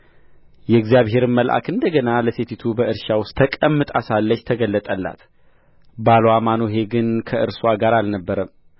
የእግዚአብሔርም መልአክ እንደ ገና ለሴቲቱ በእርሻ ውስጥ ተቀምጣ ሳለች ተገለጠላት ባልዋ ማኑሄ ግን ከእርስዋ ጋር አልነበረም